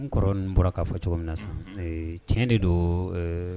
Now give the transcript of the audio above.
N kɔrɔ bɔra k'a fɔ cogo min na sisan tiɲɛ de don